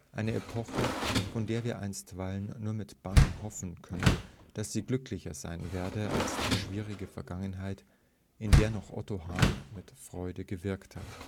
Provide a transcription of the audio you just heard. eine Epoche, von der wir einstweilen nur mit Bangen hoffen können, dass sie glücklicher sein werde als die schwierige Vergangenheit, in der doch Otto Hahn mit Freude gewirkt hat